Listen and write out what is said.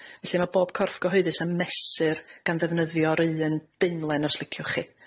felly ma' bob corff cyhoeddus yn mesur gan ddefnyddio'r un daenlen, os liciwch chi.